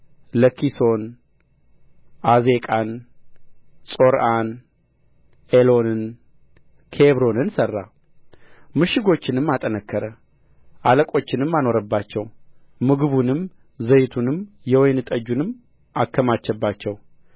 ለኪሶን ዓዜቃን ጾርዓን ኤሎንን ኬብሮንን ሠራ ምሽጎቹንም አጠነከረ አለቆችንም አኖረባቸው ምግቡንም ዘይቱንም የወይን ጠጁንም አከማቸባቸው